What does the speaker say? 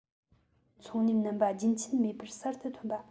ཚོང གཉེར རྣམ པ རྒྱུན ཆད མེད པར གསར དུ ཐོན པ